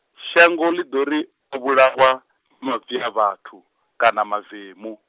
shango ḽi ḓo ri, a vhulawa maviavhathu, kana mavemu.